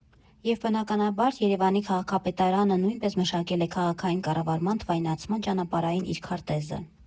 Եվ, բնականաբար, Երևանի քաղաքապետարանը նույնպես մշակել է քաղաքային կառավարման թվայնացման ճանապարհային իր քարտեզը։